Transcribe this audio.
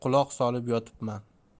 quloq solib yotibman